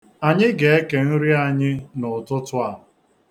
Anyị ga-eke nri anyị n'ụtụtụ a.